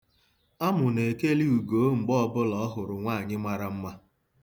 Amụ na-ekeli Ugoo mgbe ọbụla ọ hụrụ nwaanyị mara mma.